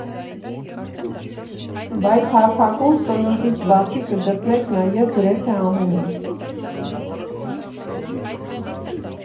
Բայց հարթակում սննդից բացի կգտնեք նաև գրեթե ամեն ինչ.